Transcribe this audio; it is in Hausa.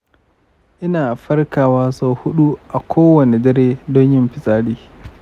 ina farkawa sau huɗu a kowane dare don yin fitsari.